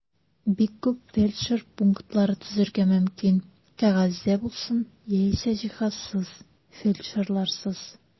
Бик күп фельдшер пунктлары төзергә мөмкин (кәгазьдә булсын яисә җиһазсыз, фельдшерларсыз).